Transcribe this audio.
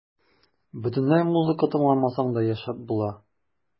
Бөтенләй музыка тыңламасаң да яшәп була.